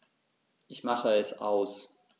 Ich mache es aus.